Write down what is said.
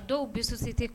Dɔw bɛsu tɛ